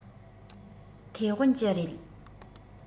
ཐའེ ཝན གྱི རེད